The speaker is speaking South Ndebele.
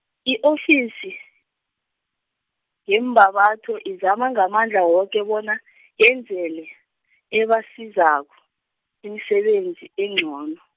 i-ofisi, yeMmabatho izama ngamandla woke bona , yenzele, ebasizako, imisebenzi engcono.